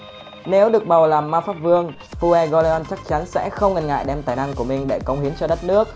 nếu được bầu làm mpv fuegoleon chắc chắn sẽ không ngần ngại đem tài năng của mình để cống hiến cho đất nước